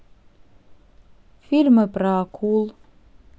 фильмы про акул